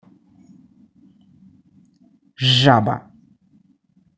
жаба